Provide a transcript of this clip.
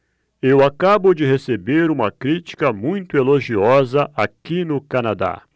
eu acabo de receber uma crítica muito elogiosa aqui no canadá